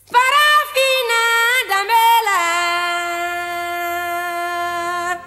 Farafinna danbe la